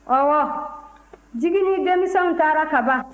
ɔwɔ jigi ni denmisɛnw taara kaban